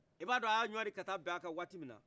a b'a dɔn a y'a ɲɔɔri ka taa bin a kan waati min na